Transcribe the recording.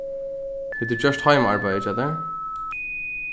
hevur tú gjørt heimaarbeiðið hjá tær